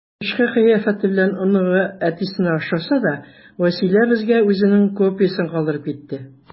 Тышкы кыяфәте белән оныгы әтисенә охшаса да, Вәсилә безгә үзенең копиясен калдырып китте.